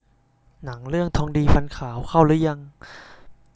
หนังเรื่องทองดีฟันขาวเข้ารึยัง